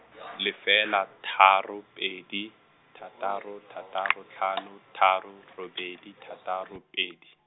lefela tharo pedi, thataro thataro tlhano tharo robedi thataro pedi.